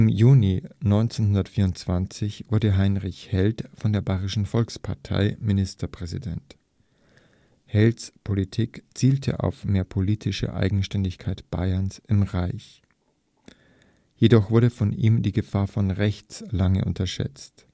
Juni 1924 wurde Heinrich Held von der Bayerischen Volkspartei Ministerpräsident. Helds Politik zielte auf mehr politische Eigenständigkeit Bayerns im Reich. Jedoch wurde von ihm die Gefahr von rechts lange unterschätzt